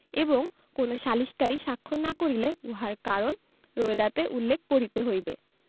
এবং কোন সালিসকারী স্বাক্ষর না করিলে উহার কারণ রোয়েদাদে উল্লেখ করিতে হইবে